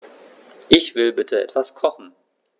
Ich will bitte etwas kochen.